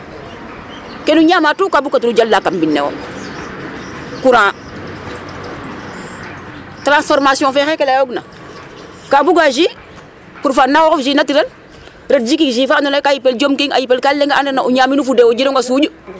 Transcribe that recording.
Ke nu ñaama tous ka o bugkatan o jalaa kam mbind nee wo courant transformation fe xeke layoogna kaa buga jus pour fi'an a xooxof jus naturel ret jek jus fa andoona yee ka yipel jokkin a yipel ka leng a andeerna o ñaamin fud o jiranga suuƴ.